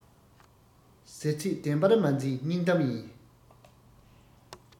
ཟེར ཚད བདེན པར མ འཛིན སྙིང གཏམ ཡིན